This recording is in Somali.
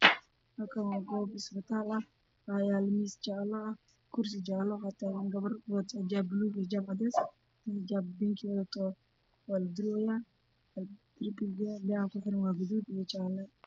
Waa meel caafimaad oo ay ku baranayaan gabdho caafimaad mid ayaa kursi ku fadhida mid kale ayaa durayso